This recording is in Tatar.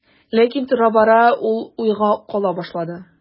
Ләкин тора-бара ул уйга кала башлады.